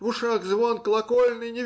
в ушах звон колокольный.